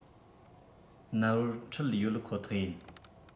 ནོར འཁྲུལ ཡོད ཁོ ཐག ཡིན